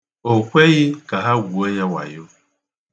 O kweghị ka ha gwuo ya wayo.